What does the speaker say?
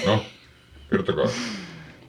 no kertokaa